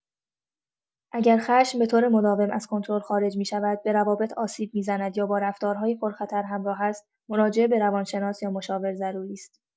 اگر خشم به‌طور مداوم از کنترل خارج می‌شود، به روابط آسیب می‌زند یا با رفتارهای پرخطر همراه است، مراجعه به روان‌شناس یا مشاور ضروری است.